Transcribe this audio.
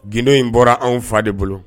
Gundo in bɔra anw fa de bolo